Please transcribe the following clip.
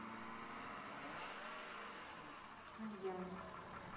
альянс